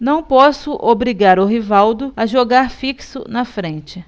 não posso obrigar o rivaldo a jogar fixo na frente